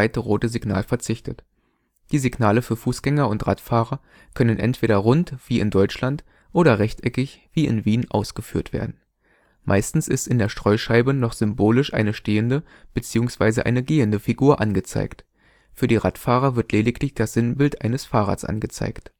rote Signal verzichtet. Die Signale für Fußgänger und Radfahrer können entweder rund wie in Deutschland oder rechteckig wie in Wien ausgeführt werden. Meistens ist in der Streuscheibe noch symbolisch eine stehende bzw. eine gehende Figur angezeigt. Für die Radfahrer wird lediglich das Sinnbild eines Fahrrades angezeigt